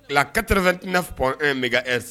La 89.1 Mhz